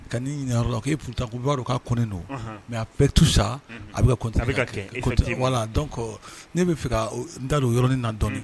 Ka'i ɲinin yɔrɔ la k'e tun u b'a dɔn ka kɔn don mɛ a pɛtu z a bɛ wala la dɔn kɔ n' b bɛ fɛ n da don yɔrɔɔrɔnin na dɔɔnin